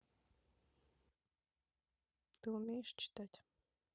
ты умеешь читать